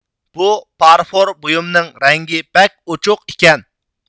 بۇ فارفور بۇيۇمنىڭ رەڭگى بەك ئوچۇق ئىكەن